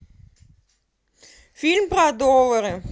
фильм про доллары